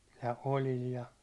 ja oljilla ja